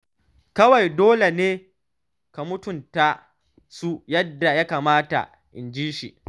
Kawai dole ne ka mutunta su yadda ya kamata,” inji shi.